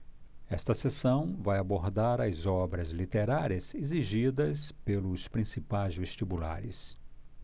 esta seção vai abordar as obras literárias exigidas pelos principais vestibulares